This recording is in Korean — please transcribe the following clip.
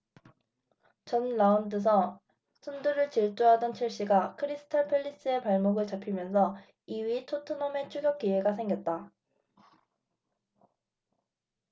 전 라운드서 선두를 질주하던 첼시가 크리스탈 팰리스에 발목을 잡히면서 이 위 토트넘에 추격 기회가 생겼다